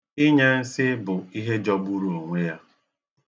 Inye nsi bụ ihe jọgburu onwe.